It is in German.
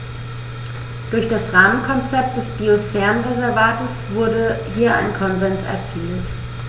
Durch das Rahmenkonzept des Biosphärenreservates wurde hier ein Konsens erzielt.